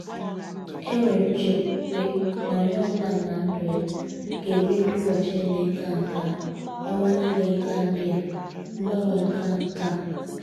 Enwere m nchekwube na onye ọbụla na ndụ ya, ga-ebi ndụ ụbọchị niile ka nke a, ọnwa niile ka ndị a, mgbanwe ka nke a #tunisia #tnelec